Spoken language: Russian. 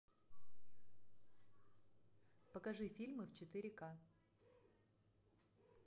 покажи фильмы в четыре ка